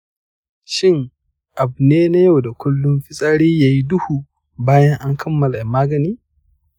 shin abu ne na yau da kullun fitsari ya yi duhu bayan an kammala magani?